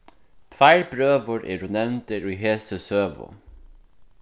tveir brøður eru nevndir í hesi søgu